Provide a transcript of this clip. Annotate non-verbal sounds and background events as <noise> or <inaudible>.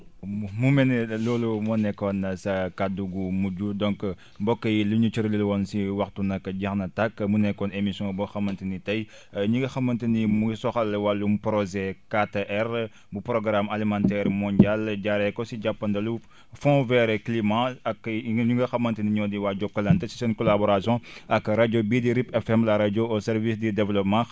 mu mu mel ni <breath> loolu moo nekkoon sa kaddu bu mujj donc mbokk yi liñ ñu cëralee woon ci waxtu jeex na tàq mu nekkoon émission booxamante ni tey <breath> ñi nga xamante ni mu ngi soxal wàllum projets 4R bu programme <noise> alimentaire mondial mu jaaree ko ci jàppandalu fond vers climat ak ñi nga xamante ni moo di waa Jokalante si seen collaboration <breath> ak rajo bii di RIP FM la rajo au service du développement